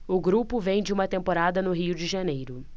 o grupo vem de uma temporada no rio de janeiro